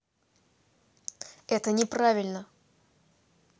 это неправильно